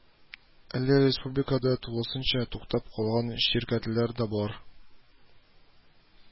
Әле республикада тулысынча туктап калган ширкәтләр дә бар